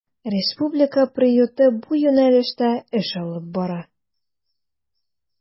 Республика приюты бу юнәлештә эш алып бара.